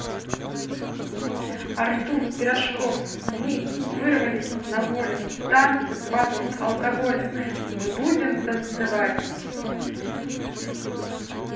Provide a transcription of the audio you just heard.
артур пирожков мы вырвались на волю танцы падают алкоголем мы будем танцевать